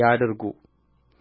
ያድርጉ